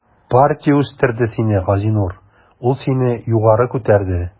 Партия үстерде сине, Газинур, ул сине югары күтәрде.